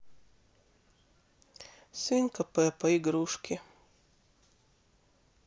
свинка пеппа игрушки